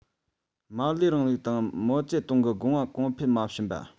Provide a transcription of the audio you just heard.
མར ལེ རིང ལུགས དང མའོ ཙེ ཏུང གི དགོངས པ གོང འཕེལ མ ཕྱིན པ